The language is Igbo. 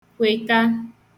kwèta